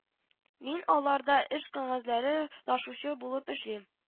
Мин аларда эш кәгазьләре ташучы булып эшлим